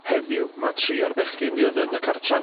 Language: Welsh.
Heddiw ma' trio'r bechgyn fuodd yn y cartra yn...